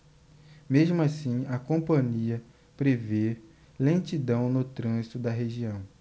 mesmo assim a companhia prevê lentidão no trânsito na região